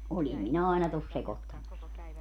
olin minä aina tuossa sekoittamassakin